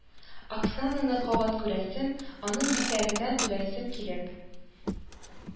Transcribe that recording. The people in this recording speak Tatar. Оксананы кабат күрәсем, аның битләреннән үбәсем килеп